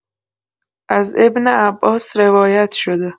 از ابن‌عباس روایت شده